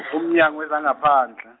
uMnyango wezangaPhandle.